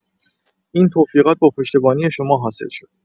این توفیقات با پشتیبانی شما حاصل شد.